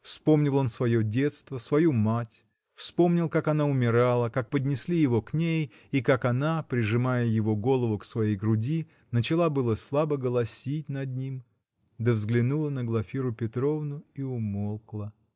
Вспомнил он свое детство, свою мать, вспомнил, как она умирала, как поднесли его к ней и как она, прижимая его голову к своей груди, начала было слабо голосить над ним, да взглянула на Глафиру Петровну -- и умолкла.